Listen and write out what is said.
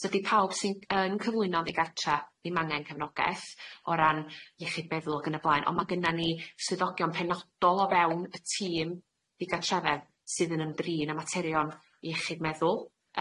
So di pawb sy'n yn cyflwyno yn ddigartre ddim angen cefnogaeth o ran iechyd meddwl ag yn y blaen on' ma' gynna ni swyddogion penodol o fewn y tîm digartrefedd sydd yn ymdrin â materion iechyd meddwl,